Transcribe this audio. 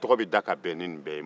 tɔgɔ bɛ da ka bɛn ni nin bɛɛ ye